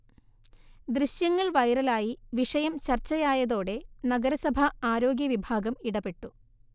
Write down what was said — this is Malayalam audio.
ദൃശ്യങ്ങൾ വൈറലായി വിഷയം ചർച്ചയായതോടെ നഗരസഭാ ആരോഗ്യവിഭാഗം ഇടപെട്ടു